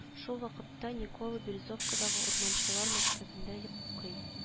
Шул вакытта николо-березовкадагы урманчылар мәктәбендә укый